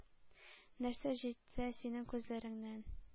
Нәрсә җитә синең күзләреңнең